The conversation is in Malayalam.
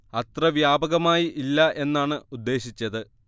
അത്ര വ്യാപകമായി ഇല്ല എന്നാണ് ഉദ്ദേശിച്ചത്